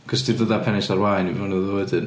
Achos ti'n dod â Penisa'r-waun i mewn iddo fo wedyn.